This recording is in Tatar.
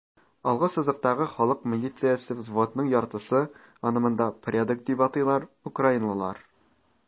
Алгы сызыктагы халык милициясе взводының яртысы (аны монда "передок" дип атыйлар) - украиналылар.